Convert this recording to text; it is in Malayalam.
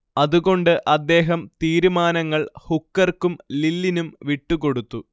അതുകൊണ്ട് അദ്ദേഹം തീരുമാനങ്ങൾ ഹുക്കർക്കും ലില്ലിനും വിട്ടുകൊടുത്തു